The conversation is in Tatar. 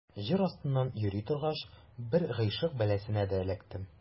Җыр артыннан йөри торгач, бер гыйшык бәласенә дә эләктем.